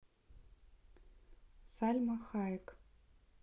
сальма хайек